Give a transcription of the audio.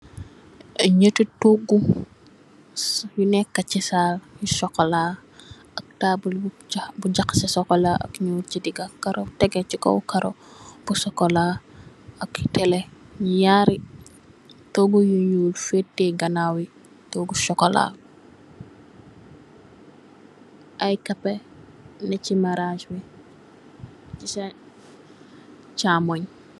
Aiiy njehti tohgu su yu neka chi saal yu chocolat, ak taabul bu pitcha bu jakhaseh chocolat ak njull chi digah, kaaroh, tehgeh chi kaw kaaroh bu chocolat ak tele, njaari tohgu yu njull feuteh ganawi tohgu chocolat, aiiy carpet neh chii marajj bii, chi sa chaamongh.